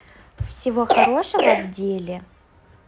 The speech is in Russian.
всего хорошего в деле